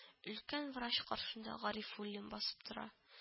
Өлкән врач каршында гарифуллин басып тора